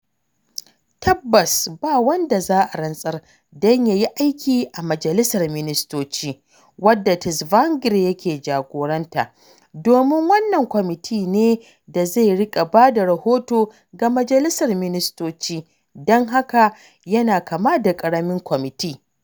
Tabbas, ba wanda za a rantsar don ya yi aiki a Majalisar Ministoci (wadda Tsvangirai yake jagoranta), domin wannan kwamiti ne da zai riƙa ba da rahoto ga majalisar ministoci, don haka yana kama da ƙaramin kwamiti.